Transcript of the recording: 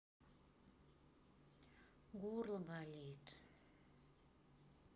горло болит